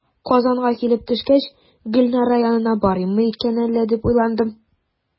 Казанга килеп төшкәч, "Гөлнара янына барыйм микән әллә?", дип уйландым.